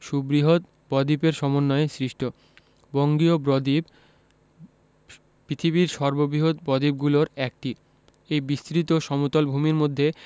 সুবৃহৎ বদ্বীপের সমন্বয়ে সৃষ্ট বঙ্গীয় বদ্বীপ পৃথিবীর সর্ববৃহৎ বদ্বীপগুলোর একটি এই বিস্তৃত সমতল ভূমির মধ্যে